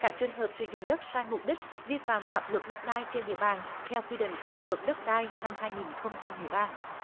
các trường hợp sử dụng đất sai mục đích vi phạm pháp luật đất đai trên địa bàn theo quy định của luật đất đai năm hai nghìn không trăm mười ba